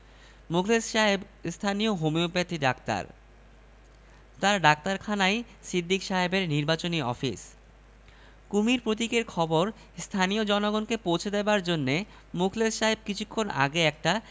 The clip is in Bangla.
তাঁর মুখের বিরস ভাব তিনগুণ বেড়েছে কারণ কিছুক্ষণ আগে ভয়েস অব আমেরিকা শ্রবণ সমিতিও দু হাজার টাকা নিয়ে গেছে শ্রবণ সমিতির খবর প্রচার হল